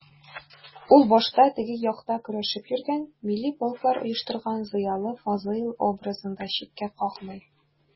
Ул башта «теге як»та көрәшеп йөргән, милли полклар оештырган зыялы Фазыйл образын да читкә какмый.